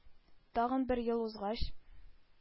Тагын бер ел узгач,